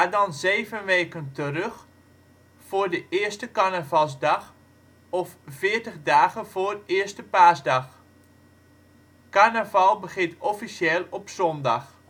dan zeven weken terug voor de eerste Carnavalsdag (of 40 dagen voor Eerste Paasdag). Carnaval begint officieel op zondag